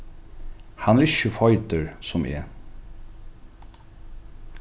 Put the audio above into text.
hann er ikki so feitur sum eg